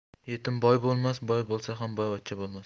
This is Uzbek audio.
yetim boy bo'lmas boy bo'lsa ham boyvachcha bo'lmas